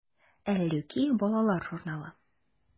“әллүки” балалар журналы.